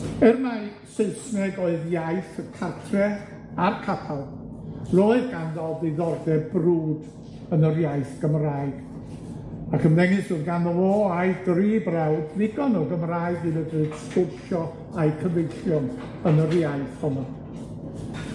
Er mai Saesneg oedd iaith y cartre a'r capal, roedd ganddo ddiddordeb brwd yn yr iaith Gymraeg, ac ymddengys, ro'dd ganddo fo a'i dri brawd ddigon o Gymraeg i fedru sgwrsio a'u cyfeillion yn yr iaith honno.